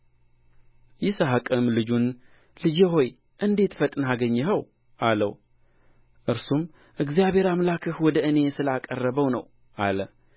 ይስሐቅም ልጁን ልጄ ሆይ እንዴት ፈጥነህ አገኘኸው አለው እርሱም እግዚአብሔር አምላክህ ወደ እኔ ስለ አቀረበው ነው አለ